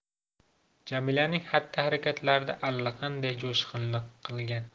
jamilaning xatti harakatlarida allaqanday jo'shqinlik qilgan